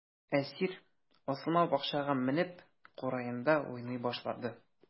Әсир асылма бакчага менеп, кураенда уйный башлый.